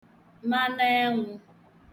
manụenwụ̄